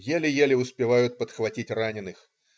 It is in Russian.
Еле-еле успевают подхватить раненых.